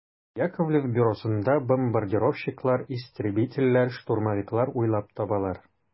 Яковлев бюросында бомбардировщиклар, истребительләр, штурмовиклар уйлап табалар.